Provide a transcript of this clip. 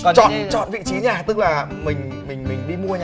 chọn chọn vị trí nhà tức là mình mình mình đi mua nhà